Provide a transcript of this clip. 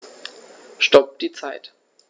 Stopp die Zeit